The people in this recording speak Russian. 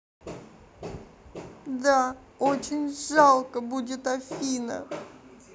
да очень жалко будет афина